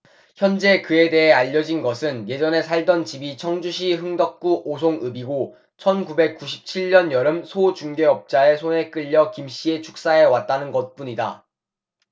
현재 그에 대해 알려진 것은 예전에 살던 집이 청주시 흥덕구 오송읍이고 천 구백 구십 칠 년 여름 소 중개업자의 손에 끌려 김씨의 축사에 왔다는 것뿐이다